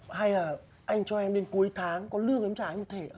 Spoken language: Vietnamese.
hay là anh cho em đến cuối tháng có lương em trả anh một thể ạ